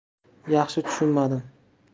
yaxshi tushunmadim